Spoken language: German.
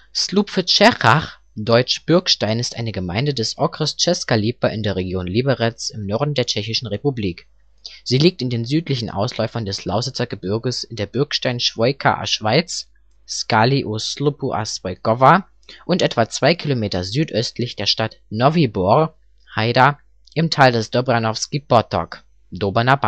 Sloup v Čechách (deutsch Bürgstein) ist eine Gemeinde des Okres Česká Lípa in der Region Liberec im Norden der Tschechischen Republik. Sie liegt in den südlichen Ausläufern des Lausitzer Gebirges in der Bürgstein-Schwoikaer Schweiz (Skály u Sloupu a Svojkova) und etwa 2 Kilometer südöstlich der Stadt Nový Bor (Haida) im Tal des Dobranovský potok (Doberner